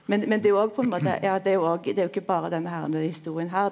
men men det er jo òg på ein måte ja det er jo òg det er jo ikkje berre den herne historia her.